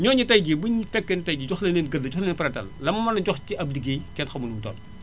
ñooñu tay jii buñ fekkee ni tay jii jox nañu leen gëdd jox nañu leen farataal la mu mënoon jox ci ab ligéey kenn xamul nu mu toll